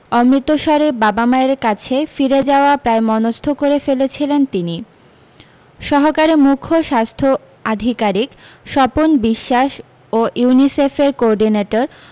অমৃতসরে বাবা মায়ের কাছে ফিরে যাওয়া প্রায় মনস্থ করে ফেলেছিলেন তিনি সহকারী মুখ্য স্বাস্থ্য আধিকারিক স্বপন বিশ্বাস ও ইউনিসেফের কোর্ডিনেটর